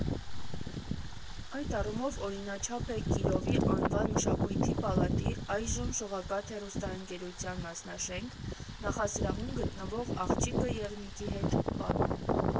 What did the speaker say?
Այդ առումով օրինաչափ է Կիրովի անվան մշակույթի պալատի (այժմ՝ «Շողակաթ» հեռուստաընկերության մասնաշենք) նախասրահում գտնվող «Աղջիկը եղնիկի հետ» պանոն։